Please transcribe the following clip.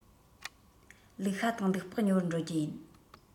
ལུག ཤ དང ལུག ལྤགས ཉོ བར འགྲོ རྒྱུ ཡིན